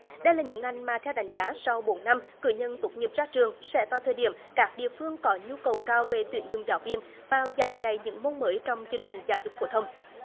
đây là những ngành mà theo đánh giá sau bốn năm cử nhân tốt nghiệp ra trường sẽ vào thời điểm các địa phương có nhu cầu cao về tuyển dụng giáo viên vào giảng dạy những môn mới trong chương trình giáo dục phổ thông